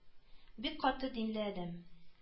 Бик каты динле адәм